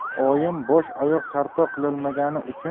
oyim bosh oyoq sarpo qilolmagani